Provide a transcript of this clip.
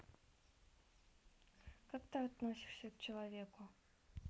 как ты относишься к человеку